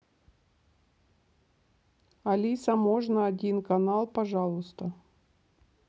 алиса можно один канал пожалуйста